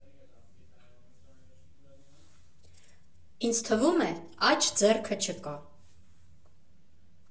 Ինձ թվում է՝ աջ ձեռքը չկա։